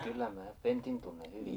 kyllä minä Pentin tunnen hyvin